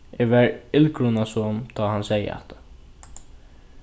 eg varð illgrunasom tá hann segði hatta